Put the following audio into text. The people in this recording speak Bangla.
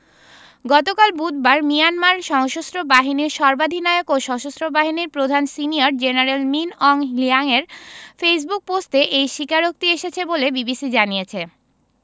গতকাল বুধবার মিয়ানমার সশস্ত্র বাহিনীর সর্বাধিনায়ক ও সশস্ত্র বাহিনীর প্রধান সিনিয়র জেনারেল মিন অং হ্লিয়াংয়ের ফেসবুক পোস্টে এই স্বীকারোক্তি এসেছে বলে বিবিসি জানিয়েছে